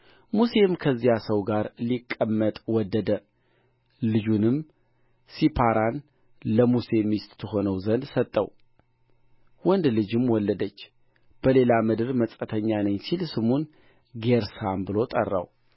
ሙሴም ከዚያ ሰው ጋር ሊቀመጥ ወደደ ልጁንም ሲፓራን ለሙሴ ሚስት ትሆነው ዘንድ ሰጠው ወንድ ልጅም ወለደች በሌላ ምድር መጻተኛ ነኝ ሲል ስሙን ጌርሳም ብሎ ጠራው